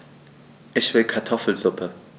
Ich will Kartoffelsuppe.